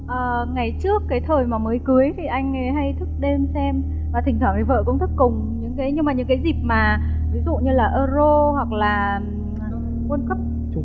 ngày trước cái thời mà mới cưới thì anh ý hay thức đêm xem và thỉnh thoảng thì vợ cũng thức cùng những cái nhưng mà những cái dịp mà ví dụ như là ơ rô hoặc là guôn